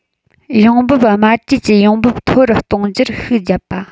ཡོང འབབ དམའ གྲས ཀྱི ཡོང འབབ མཐོ རུ གཏོང རྒྱུར ཤུགས བརྒྱབ པ